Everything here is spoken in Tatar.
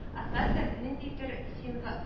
Ә хәзер ниндидер Синга